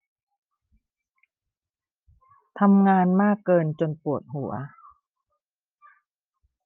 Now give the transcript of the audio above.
ทำงานมากเกินจนปวดหัว